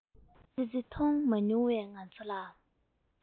ཙི ཙི མཐོང མ མྱོང བའི ང ཚོ ལ